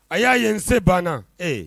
A y'a ye n se banna ee